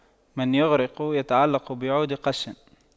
من يغرق يتعلق بعود قش